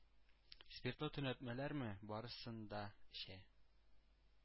Спиртлы төнәтмәләрме – барысын да эчә.